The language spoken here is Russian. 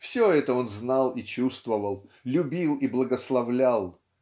Все это он знал и чувствовал любил и благословлял